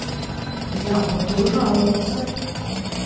я буду жаловаться